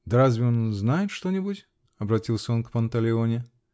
-- Да разве он знает что-нибудь? -- обратился он к Панталеоне.